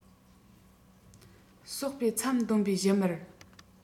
ཟོག པོའི མཚམ འདོན པའི བཞུ མར